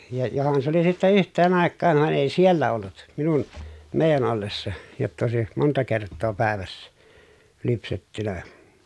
ja johan se oli sitten yhteen aikaan vaan ei siellä ollut minun meidän ollessa jotta olisi monta kertaa päivässä lypsetty